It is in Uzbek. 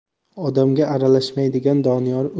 odamga aralashmaydigan doniyor